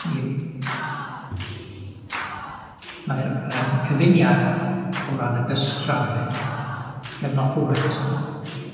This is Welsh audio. Hynny yw, mae'r yym cyfuniad o ran y gystrawen cefnogol Wrecsam